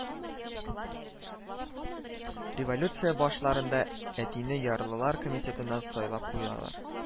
Революция башларында әтине ярлылар комитетына сайлап куялар